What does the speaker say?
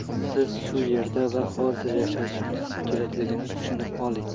siz shu erda va hozir yashashingiz kerakligini tushunib oling